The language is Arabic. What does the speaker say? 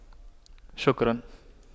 شكرا